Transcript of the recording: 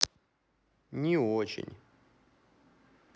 не очень